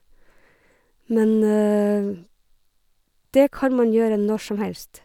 Men det kan man gjøre når som helst.